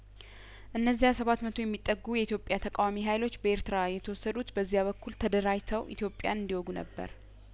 እነዚያ ሰባት መቶ የሚጠጉ የኢትዮጵያ ተቃዋሚ ሀይሎች በኤርትራ የተወሰዱት በዚያ በኩል ተደራጀተው ኢትዮጵያን እንዲወጉ ነበር